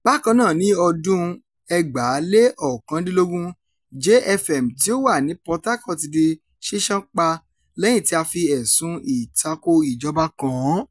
Bákan náà ní ọdún- 2019, Jay FM tíó wà ní Port Harcourt di ṣíṣánpa lẹ́yìn tí a fi ẹ̀sùn ìtako ìjọba kàn án.